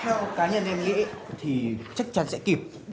theo cá nhân em nghĩ thì chắc chắn sẽ kịp